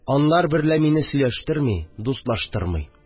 Анлар берлә мине сөйләштерми, дустлаштырмый